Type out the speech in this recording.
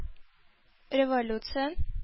Революция